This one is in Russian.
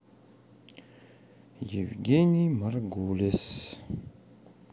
евгений маргулис